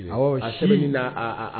Ɔ a semɛ min na